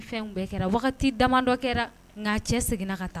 Fɛnw bɛɛ kɛra wagati damadɔ kɛra nka cɛ seginna ka taa.